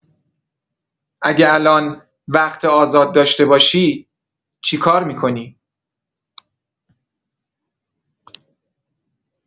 اگه الان وقت آزاد داشته باشی، چی کار می‌کنی؟